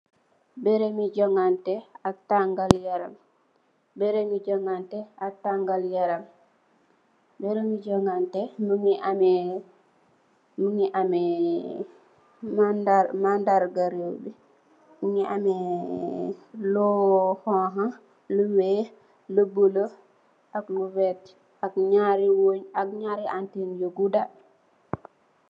Borehbi jamanteh ak tagat yaraam, borehbi jamanteh ak tagat yaraam , borehbi jamanteh mugeh ehmeeh mandargah rehmi , mugeh ehmeeh lu honha , lu weeh , mugeh ehmeeh lu bulo , lu werta . Ak jareh weeg , jareh antehna weeg bu gudaah.